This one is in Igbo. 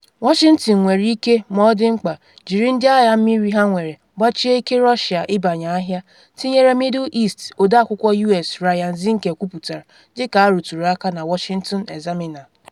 Washington nwere ike “ma ọ dị mkpa” jiri Ndị Agha Mmiri ha nwere gbachie ike Russia ibanye ahịa, tinyere Middle East, Ọde Akwụkwọ US Ryan Zinke kwuputara, dịka arụtụrụ aka na Washington Examiner.